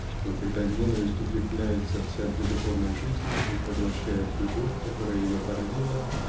что когда ненависть укрепляется в центре духовной жизни и поглощает любовь которая ее породила